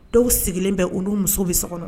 Dɔw sigilen bɛ olu muso bɛ so kɔnɔ